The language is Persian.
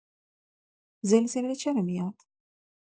زلزله چرا میاد؟